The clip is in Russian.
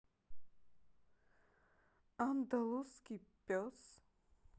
андалузский пес